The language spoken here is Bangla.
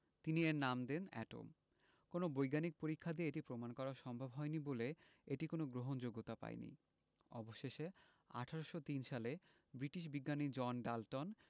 তিনি এর নাম দেন এটম কোনো বৈজ্ঞানিক পরীক্ষা দিয়ে এটি প্রমাণ করা সম্ভব হয়নি বলে এটি কোনো গ্রহণযোগ্যতা পায়নি অবশেষে ১৮০৩ সালে ব্রিটিশ বিজ্ঞানী জন ডাল্টন